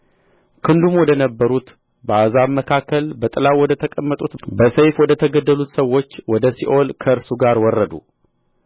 ክንዱም ወደ ነበሩት በአሕዛብም መካከል በጥላው ወደ ተቀመጡት በሰይፍ ወደ ተገደሉት ሰዎች ወደ ሲኦል ከእርሱ ጋር ወረዱ